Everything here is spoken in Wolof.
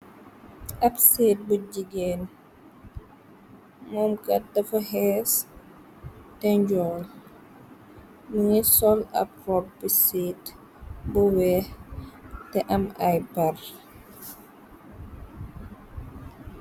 Ab sëët bu jigéen, mom kat dafa hees ta ñool, mu ngi sol ab roobu sëët bu weex, ta am ay par